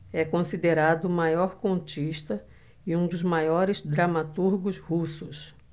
é considerado o maior contista e um dos maiores dramaturgos russos